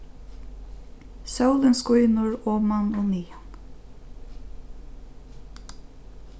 sólin skínur oman og niðan